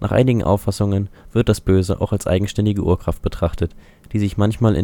einigen Auffassungen wird das Böse auch als eigenständige Urkraft betrachtet, die sich manchmal